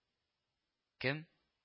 – кем